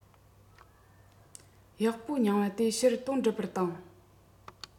གཡོག པོ རྙིང པ དེ ཕྱིར དོན སྒྲུབ པར བཏང